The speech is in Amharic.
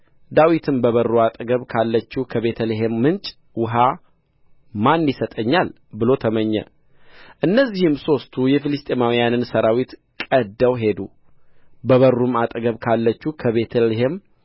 ዳዊትም በበሩ አጠገብ ካለችው ከቤተ ልሔም ምንጭ ውሃ ማን ይሰጠኛል ብሎ ተመኘ እነዚህም ሦስቱ የፍልስጥኤማውያንን ሠራዊት ቀድደው ሄዱ በበሩም አጠገብ ካለችው ከቤተ ልሔም